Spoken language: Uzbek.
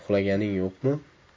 uxlaganing yo'qmi